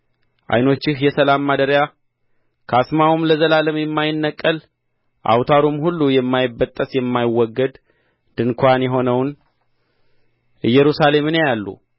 ዓይኖችህ የሰላም ማደሪያ ካስማውም ለዘላለም የማይነቀል አውታሩም ሁሉ የማይበጠስ የማይወገድ ድንኳን የሆነውን ኢየሩሳሌምን ያያሉ